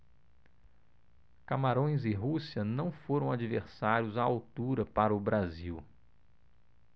camarões e rússia não foram adversários à altura para o brasil